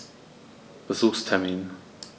Besuchstermin